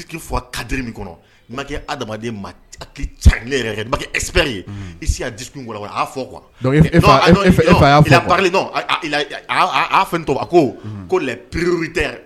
Adamaden ca ne yɛrɛ e di fɔ kuwa e y'a dɔn to a ko ko la pereriur tɛ